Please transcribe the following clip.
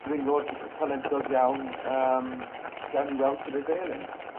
dringwr talentog iawn yym gawn ni weld shwd eith e eleni.